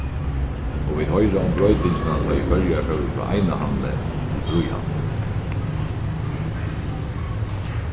og vit hoyra um broytingina tá ið føroyar fóru frá einahandli til fríhandil